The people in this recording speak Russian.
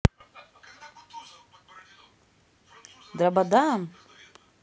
драбадан